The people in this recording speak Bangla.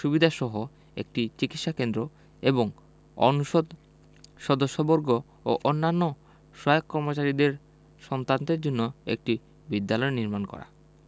সুবিধাসহ একটি চিকিৎসা কেন্দ্র এবং অনুষদ সদস্যবর্গ ও অন্যান্য সহায়ক কর্মচারীদের সন্তানদের জন্য একটি বিদ্যালয় নির্মাণ করা